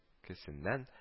Кесеннән